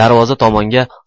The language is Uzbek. darvoza tomonga